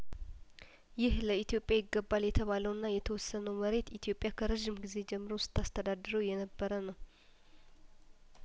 ይህ ለኢትዮጵያ ይገባል የተባለውና የተወሰነው መሬት ኢትዮጵያከረዥም ጊዜ ጀምሮ ስታ ስተዳድረው የነበረ ነው